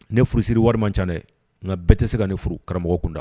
Ne furusiri wari man ca dɛ. Nka bɛɛ te se ka ne furu karamɔgɔ kunda.